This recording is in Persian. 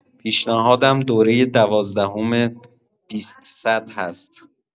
پیشنهادم دوره دوازدهم بیستصد هست.